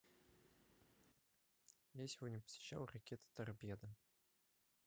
я сегодня посещал ракета торпеда